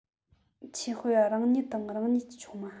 ཆོས སྤེལ བ རང ཉིད དང རང ཉིད ཀྱི ཆུང མ